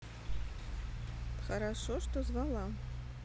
хорошо что звала